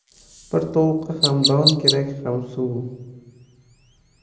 bir tovuqqa ham don kerak ham suv